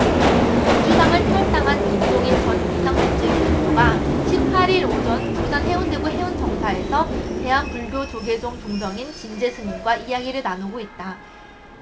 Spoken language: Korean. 민주당을 탈당한 김종인 전 비상대책위 대표가 십 팔 일 오전 부산 해운대구 해운정사에서 대한불교조계종 종정인 진제 스님과 이야기를 나누고 있다